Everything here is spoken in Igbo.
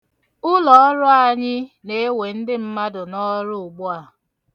Ụlọọrụ anyị na-ewe ndị mmadụ n'ọrụ ugbu a.